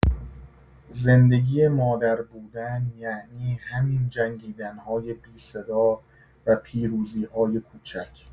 زندگی مادر بودن یعنی همین جنگیدن‌های بی‌صدا و پیروزی‌های کوچک.